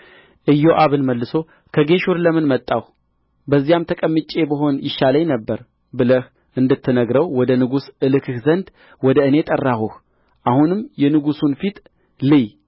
ኢዮአብን መልሶ ከጌሹር ለምን መጣሁ በዚያም ተቀምጩ ብሆን ይሻለኝ ነበር ብለህ እንድትነግረው ወደ ንጉሡ እልክህ ዘንድ ወደ እኔ ጠራሁህ አሁንም የንጉሡን ፊት ልይ